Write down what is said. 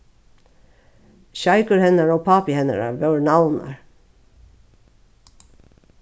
sjeikur hennara og pápi hennara vóru navnar